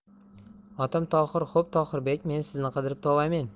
otim tohir xo'p tohirbek men sizni qidirib tovamen